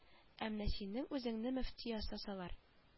Ә менә синең үзеңне мөфти ясасалар